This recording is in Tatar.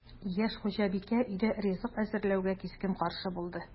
Яшь хуҗабикә өйдә ризык әзерләүгә кискен каршы булды: